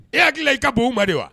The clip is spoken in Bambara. E hakili i ka bon ma de wa